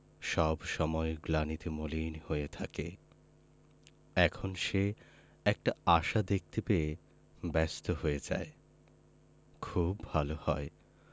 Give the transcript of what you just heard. সব সময় গ্লানিতে মলিন হয়ে থাকে এখন সে একটা আশা দেখতে পেয়ে ব্যস্ত হয়ে যায় খুব ভালো হয়